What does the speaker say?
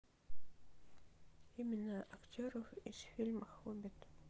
имена актеров из фильма хоббит